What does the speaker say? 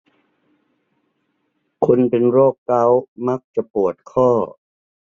คนเป็นโรคเก๋ามักจะปวดข้อ